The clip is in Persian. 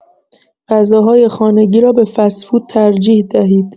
غذاهای خانگی را به فست‌فود ترجیح دهید.